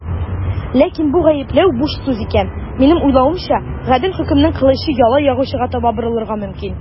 Ләкин бу гаепләү буш сүз икән, минем уйлавымча, гадел хөкемнең кылычы яла ягучыга таба борылырга мөмкин.